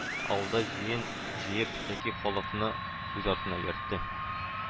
Авылда җыен җыеп, тәки халыкны үз артыннан ияртте